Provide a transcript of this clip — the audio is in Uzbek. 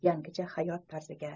yangicha hayot tarziga